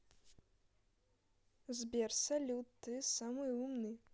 сбер салют ты самый умный